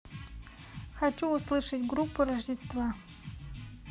хочу услышать группу рождество